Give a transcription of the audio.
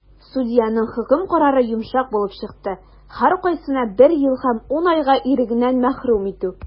Судьяның хөкем карары йомшак булып чыкты - һәркайсына бер ел һәм 10 айга ирегеннән мәхрүм итү.